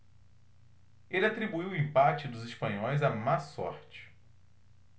ele atribuiu o empate dos espanhóis à má sorte